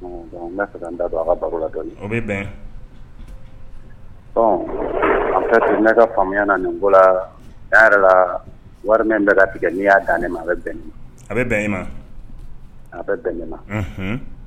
N da don ka la bɛ bɛn ka faamuyaya na nin ko la min bɛ ka tigɛ n'i y'a da ne ma a bɛ bɛn a bɛ ma a bɛ bɛnɛn na